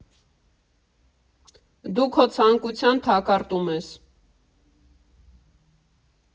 Դու քո ցանկության թակարդում ես։